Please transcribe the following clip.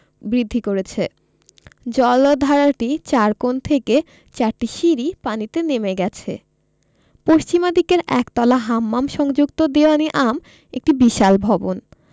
বৃদ্ধি করেছে জলাধারটির চার কোণ থেকে চারটি সিঁড়ি পানিতে নেমে গেছে পশ্চিমদিকের একতলা হাম্মাম সংযুক্ত দীউয়ান ই আম একটি বিশাল ভবন